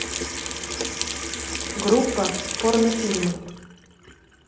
группа порнофильмы